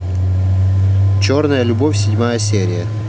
черная любовь седьмая серия